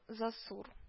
Засур